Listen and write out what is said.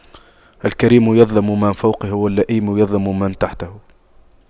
الكريم يظلم من فوقه واللئيم يظلم من تحته